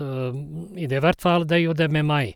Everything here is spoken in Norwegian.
I det hvert fall det gjorde det med meg.